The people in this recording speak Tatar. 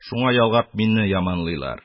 Шуңа ялгап мине яманлыйлар